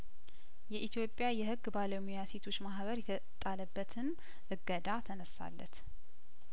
የኢትዮጵያ የህግ ባለሙያ ሴቶች ማህበር የተጣለበትን እገዳ ተነሳለት